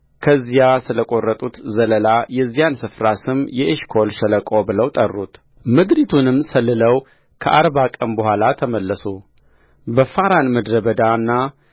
ከዚያ ስለ ቈረጡት ዘለላ የዚያን ስፍራ ስም የኤሽኮል ሸለቆ ብለው ጠሩትምድሪቱንም ሰልለው ከአርባ ቀን በኋላ ተመለሱበፋራን ምድረ በዳና